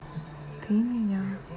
ты меня